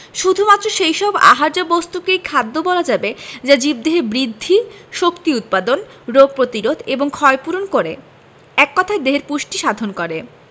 শুধুমাত্র সেই সব আহার্য বস্তুকেই খাদ্য বলা যাবে যা জীবদেহে বৃদ্ধি শক্তি উৎপাদন রোগ প্রতিরোধ এবং ক্ষয়পূরণ করে এক কথায় দেহের পুষ্টি সাধন করে